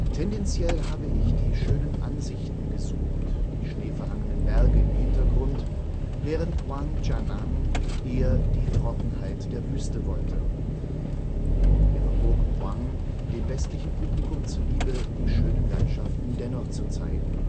Tendenziell habe ich die schönen Ansichten gesucht, die schneeverhangenen Berge im Hintergrund, während Wang Quan'an eher die Trockenheit der Wüste wollte. “Er bewog Wang, dem westlichen Publikum zuliebe die schönen Landschaften dennoch zu zeigen